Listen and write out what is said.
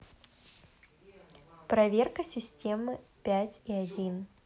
проверка системы пять и один